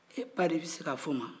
e ba de bɛ se k'a f'o ma